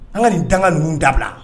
An ka nin danga ninnu dabila